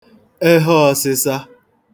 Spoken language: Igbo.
ẹhọọ̄sị̄sā